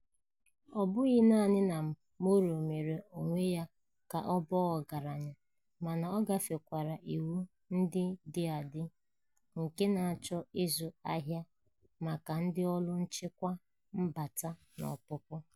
Ọ bụghị naanị na Moro mere onwe ya ka ọ baa ọgaranya mana ọ gafekwara iwu ndị dị adị nke na-achị ịzụ ahịa maka ndị Ọrụ Nchịkwa Mbata na Ọpụpụ.